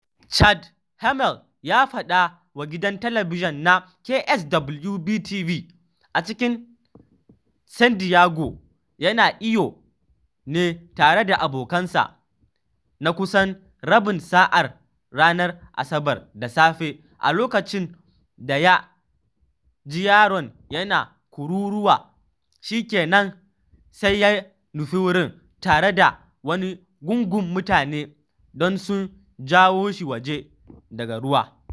Chad Hammel ya fada wa gidan talabijin na KSWB-TV a San Diego yana iyo ne tare da abokansa na kusan rabin sa’a a ranar Asabar da safe a lokacin da ya ji yaron yana kururuwa shikenan sai ya nufi wurin tare da wani gungun mutane don su jawo shi waje daga ruwan.